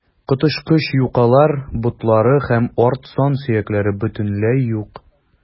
Коточкыч юкалар, ботлары һәм арт сан сөякләре бөтенләй юк.